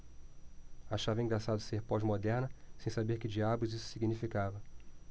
achava engraçado ser pós-moderna sem saber que diabos isso significava